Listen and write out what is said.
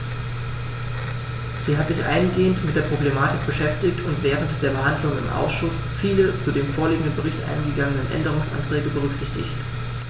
Sie hat sich eingehend mit der Problematik beschäftigt und während der Behandlung im Ausschuss viele zu dem vorliegenden Bericht eingegangene Änderungsanträge berücksichtigt.